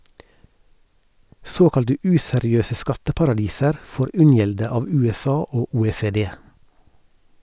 Såkalte useriøse skatteparadiser får unngjelde av USA og OECD.